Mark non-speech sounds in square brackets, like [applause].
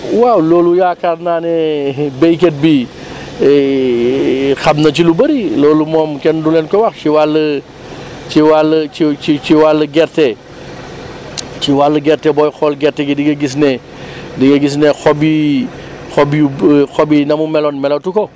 waaw loolu yaakaar naa ne [hesitation] béykat bi [noise] [hesitation] xam na ci lu bëri loolu moom kenn du leen ko wax si wàll [noise] ci wàll ci ci ci wàll gerte [noise] [smacks lips] ci wàll gerte booy xool gerte gi di di nga gis ne [noise] di nga gis ne xob yi [hesitation] xob yu [hesitation] xob yi na mu meloon melatu ko